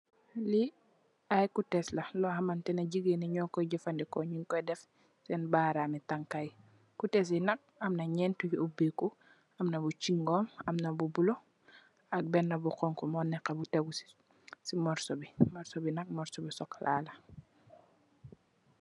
Lii aiiy kutex la, lor hamanteh neh gigain njee njur koi jeufandehkor, njung kor deff sehn bahram yii tankah yii, kutex yii nak amna njenti yu oubeh ku, amna bu chiingom, amna bu bleu ak benah bu khonku, mor neka bu tehgu cii, cii morsoh bii, morsoh bii nak morsoh bu chocolat la.